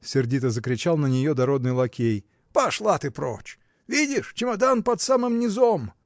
– сердито закричал на нее дородный лакей, – пошла ты прочь! видишь, чемодан под самым низом!